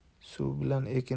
suv bilan ekin